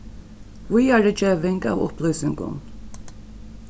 víðarigeving av upplýsingum